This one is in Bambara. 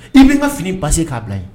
I bɛ n ka fini basi se k'a bila yen